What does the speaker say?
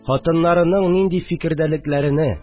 Хатыннарының нинди фикердәлекләрене